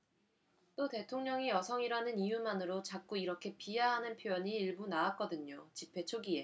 또 대통령이 여성이라는 이유만으로 자꾸 이렇게 비하하는 표현이 일부 나왔거든요 집회 초기에